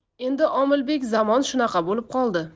endi omilbek zamon shunaqa bo'lib qoldi